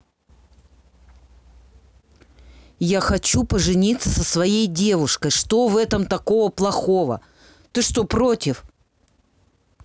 я хочу пожениться со своей девушкой что в этом такого плохого ты что против